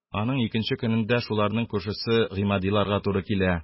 Аның икенче көнендә шуларның күршесе Гыимадиларга туры килә.